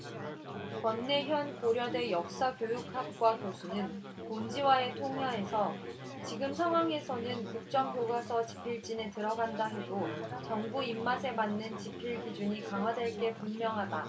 권내현 고려대 역사교육학과 교수는 본지와의 통화에서 지금 상황에서는 국정교과서 집필진에 들어간다 해도 정부 입맛에 맞는 집필 기준이 강화될 게 분명하다